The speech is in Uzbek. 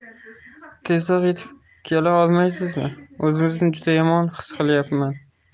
tezroq yetib kela olmaysizmi o'zimni juda yomon his qilayapman